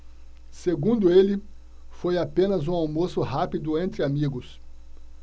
segundo ele foi apenas um almoço rápido entre amigos